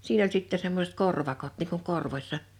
siinä oli sitten semmoiset korvakot niin kuin korvossa